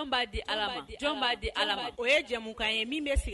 'a di o ye jamumukan ye